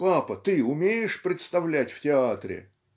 папа, ты умеешь представлять в театре?